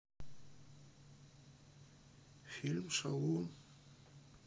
фильм шалун